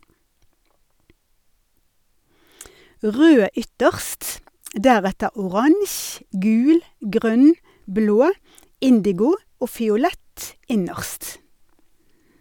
Rød ytterst, deretter oransje, gul, grønn, blå, indigo og fiolett innerst.